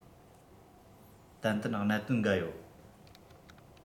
ཏན ཏན གནད དོན འགའ ཡོད